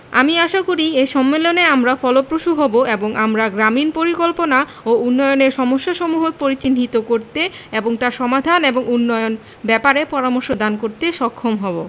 আমি আশা করি এ সম্মেলনে আলোচনা ফলপ্রসূ হবে এবং আমরা গ্রামীন পরিকল্পনা এবং উন্নয়নের সমস্যাসমূহ পরিচিহ্নিত করতে এবং তার সমাধান ও উন্নয়ন ব্যাপারে পরামর্শ দান করতে সক্ষম হবো